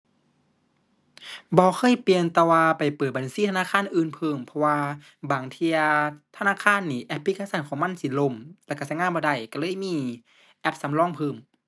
บ่เคยเปลี่ยน แต่ว่าไปเปิดบัญชีธนาคารอื่นเพิ่ม เพราะว่าบางเที่ยธนาคารนี้แอปพลิเคชันของมันสิล่ม แต่ก็ก็งานบ่ได้ ก็เลยมีแอปสำรองเพิ่ม